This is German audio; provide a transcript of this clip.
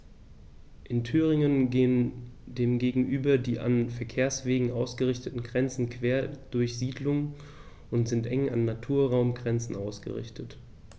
In Thüringen gehen dem gegenüber die an Verkehrswegen ausgerichteten Grenzen quer durch Siedlungen und sind eng an Naturraumgrenzen ausgerichtet.